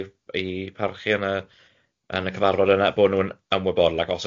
ei parchu yn y yn y cyfarfod yna, bod nhw'n ymwybodol ac os